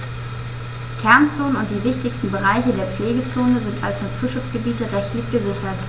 Kernzonen und die wichtigsten Bereiche der Pflegezone sind als Naturschutzgebiete rechtlich gesichert.